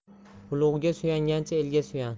ulug'ga suyangancha elga suyan